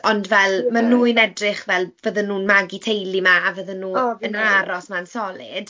Ond fel , maen nhw'n edrych fel fyddan nhw'n magu teulu 'ma a fyddan... o . ...nhw yn aros 'ma'n solid.